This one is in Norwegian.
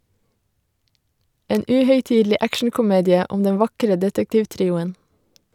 En uhøytidelig actionkomedie om den vakre detektivtrioen.